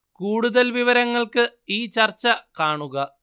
കൂടുതൽ വിവരങ്ങൾക്ക് ഈ ചർച്ച കാണുക